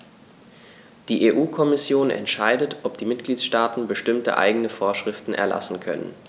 Die EU-Kommission entscheidet, ob die Mitgliedstaaten bestimmte eigene Vorschriften erlassen können.